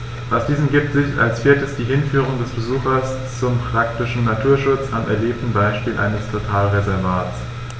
Aus diesen ergibt sich als viertes die Hinführung des Besuchers zum praktischen Naturschutz am erlebten Beispiel eines Totalreservats.